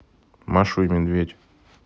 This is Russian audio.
машу и медведь